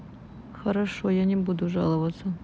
хорошо я не буду жаловаться